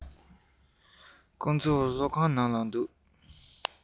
ཁོ ཚོ སློབ ཁང ནང ལ འདུག